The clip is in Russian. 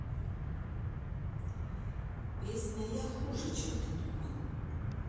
песня я хуже чем ты думал